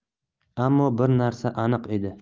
ammo bir narsa aniq edi